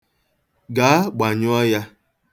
Gaa, gbanyụọ ya!